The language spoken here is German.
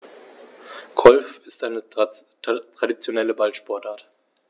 Golf ist eine traditionelle Ballsportart.